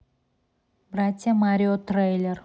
братья марио трейлер